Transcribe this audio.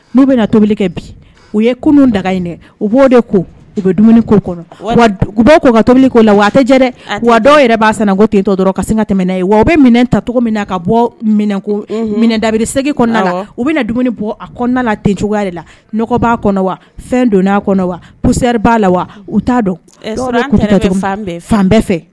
N'u bɛna na tobili kɛ bi u ye kunun daga in dɛ u b' oo de ko u bɛ dumuni ko kɔnɔ u' kɔ ka tobili ko la watɛ dɛ wagawa dɔw yɛrɛ b'a ko ttɔ dɔrɔn ka se ka tɛmɛɛna ye wa u bɛ minɛn tacogo min na ka bɔ minɛ ko minɛ dabirise kɔnɔ la u bɛ na dumuni bɔ a kɔnɔ la tc cogoyaya de laɔgɔ'a kɔnɔ wa fɛn donna'a kɔnɔ wa psɛri b'a la wa u t'a dɔn fan bɛɛ fɛ